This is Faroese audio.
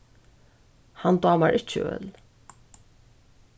hann dámar ikki øl